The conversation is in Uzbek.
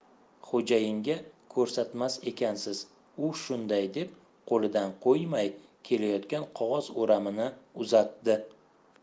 xo'jayinga ko'rsatmas ekansiz u shunday deb qo'lidan qo'ymay kelayotgan qog'oz o'ramini uzatdi